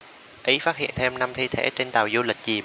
ý phát hiện thêm năm thi thể trên tàu du lịch chìm